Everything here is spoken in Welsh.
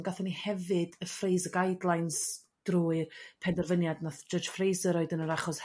Ond gathon ni hefyd y Frasier guidelines drwy'r penderfyniad nath Judge Frasier roid yn yr achos